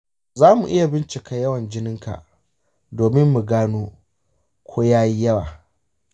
za mu bincika yawan jininka domin mu gani ko ya yi yawa.